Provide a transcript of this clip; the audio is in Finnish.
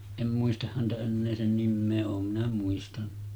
en muista häntä enää sen nimeä olen minä muistanut